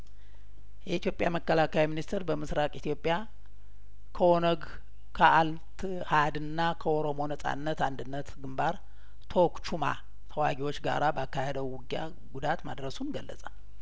የኢትዮጵያ መከላከያ ሚኒስቴር በምስራቅ ኢትዮጵያ ከኦነግ ከአልት ሀድና ከኦሮሞ ነጻነት አንድነት ግንባር ቶክቹማ ተዋጊዎች ጋራ ባካሄደው ውጊያ ጉዳት ማድረሱን ገለጸ